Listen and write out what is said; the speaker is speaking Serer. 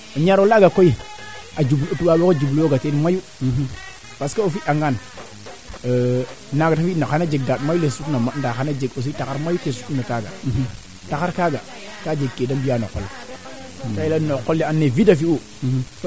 quant a rewene na ngooxa koy ga'aanum leŋ leŋ we naa mbiyan kam projet ke i ndaa oxu jeg na aussi mais andaa ye a qooq moom a qooq ceeb wagino fi no fuuƴ keena leyel sol argile ɗok genre kaaga maaga te refaa